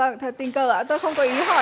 vâng thật tình cờ ạ tôi không có ý hỏi